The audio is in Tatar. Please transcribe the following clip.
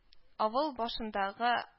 Авыл башындагы